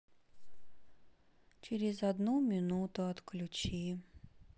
через одну минуту отключи